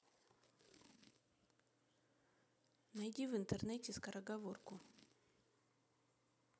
найди в интернете скороговорку